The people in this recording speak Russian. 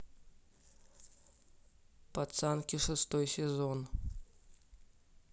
пацанки шестой сезон